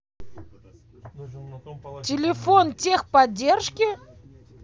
телефон техподдержки